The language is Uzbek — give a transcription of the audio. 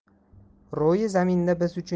ro'yi zaminda biz uchun